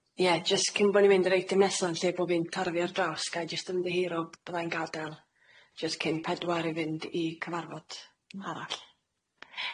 Ie jyst cyn bo' ni'n mynd yr eitem nesa'n lle bo' fi'n tarfu ar draws ga'i jyst ymddihiro byddai'n gadel jyst cyn pedwar i fynd i cyfarfod arall.